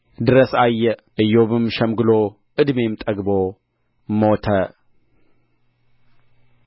ድረስ አየ ኢዮብም ሸምግሎ ዕድሜም ጠግቦ ሞተ